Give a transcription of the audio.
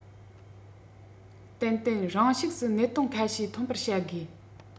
ཏན ཏན རང ཤུགས སུ གནད དོན ཁ ཤས ཐོན པར བྱ དགོས